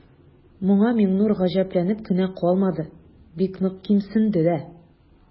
Моңа Миңнур гаҗәпләнеп кенә калмады, бик нык кимсенде дә.